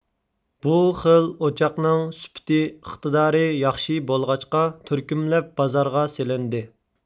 بۇ خىل ئوچاقنىڭ سۈپىتى ئىقتىدارى ياخشى بولغاچقا تۈركۈملەپ بازارغا سېلىندى